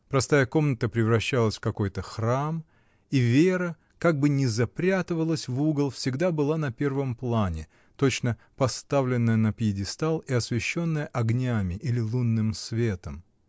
простая комната превращалась в какой-то храм, и Вера, как бы ни запрятывалась в угол, всегда была на первом плане, точно поставленная на пьедестал и освещенная огнями или лунным светом.